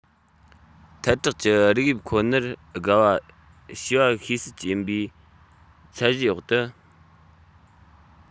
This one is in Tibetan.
ཐལ དྲགས ཀྱི རིགས དབྱིབས ཁོ ནར དགའ བ ཞེས པ ཤེས གསལ ཡིན པའི ཚད གཞིའི འོག ཏུ